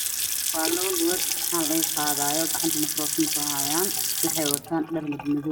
Waa labo gabar imtixaan laga qaadayo gacanta makaroofan ku haayo waxay wataan dhar madmadow